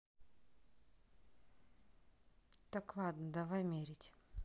так ладно давай мерить